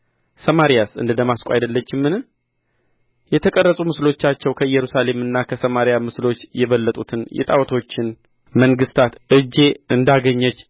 ሰማርያስ እንደ ደማስቆ አይደለችምን የተቀረጹ ምስሎቻቸው ከኢየሩሳሌምና ከሰማርያ ምስሎች የበለጡትን የጣዖቶችን መንግሥታት እጄ እንዳገኘች